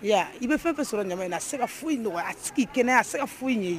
I bɛ fɛn ka sɔrɔ ɲa in na a se ka foyi in dɔgɔ a k'i kɛnɛ a se ka foyi in ye